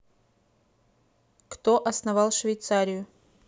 кто основал швейцарию